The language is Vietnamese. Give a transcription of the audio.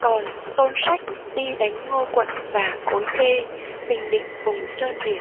còn tôn sách đi đánh ngô quận và cối kê bình định vùng sơn việt